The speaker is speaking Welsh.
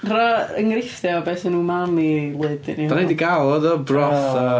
Rho enghreifftiau o be sy'n umami-lyd i ni... Dan ni 'di gael o do, broth a...